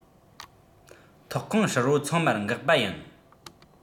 ཐོག ཁང ཧྲིལ བོ ཚང མར འགག པ ཡིན